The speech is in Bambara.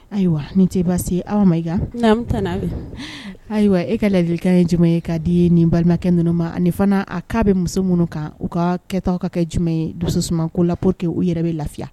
Ayiwa ni ce baasi se aw ma i ayiwa e ka lali ye jama ye k'a di nin balimakɛ ninnu ma ani fana a k'a bɛ muso minnu kan u ka kɛta aw ka kɛ jumɛn ye dusus ko la po que u yɛrɛ bɛ lafiya